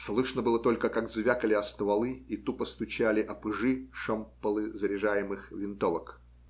Слышно было только, как звякали о стволы и тупо стучали о пыжи шомполы заряжаемых винтовок.